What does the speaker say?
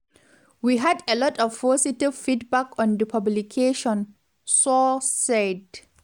We had a lot of positive feedback on that publication,” Sow said.